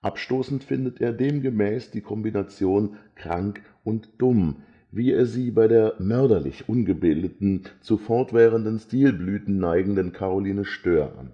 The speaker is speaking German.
Abstoßend findet er demgemäß die Kombination „ krank und dumm “, wie er sie bei der „ mörderlich ungebildeten “, zu fortwährenden Stilblüten neigenden Karoline Stöhr